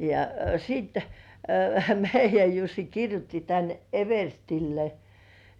ja sitten meidän Jussi kirjoitti tänne everstille